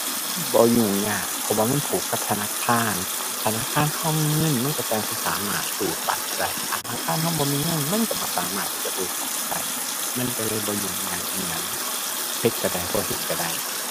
บ่ยุ่งยากเพราะว่ามันผูกกับธนาคาร ธนาคารเรามีเงินมันเราจั่งสิสามารถรูดบัตรได้ ถ้าธนาคารเราบ่มีเงินมันเราบ่สามารถที่จะรูดบัตรได้ มันเราเลยบ่ยุ่งยากอิหยัง เฮ็ดเราได้บ่เฮ็ดเราได้